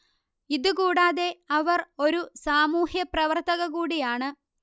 ഇതുകൂടാതെ അവർ ഒരു സാമൂഹ്യപ്രവർത്തക കൂടിയാണ്